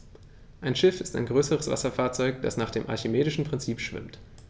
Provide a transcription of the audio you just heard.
Ein Schiff ist ein größeres Wasserfahrzeug, das nach dem archimedischen Prinzip schwimmt.